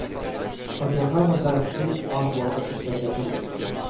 Сабирга монда бик аз вакыт эшләргә туры килде